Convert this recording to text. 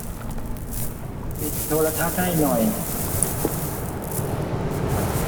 ปิดโทรทัศน์ให้หน่อย